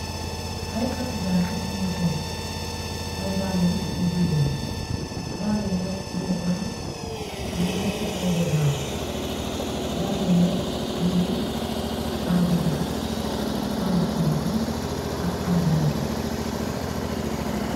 Ay pati dalla yu jigeen dalla yi nak ñu ngi am ñetti peeri dalla, dalla yi nak bu ngi am jaxas am bu xonxu ak am bu netteh.